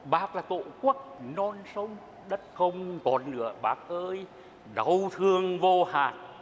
bác là tổ quốc non sông đất không còn nữa bác ơi đau thương vô hạn